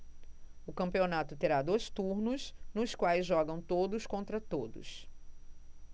o campeonato terá dois turnos nos quais jogam todos contra todos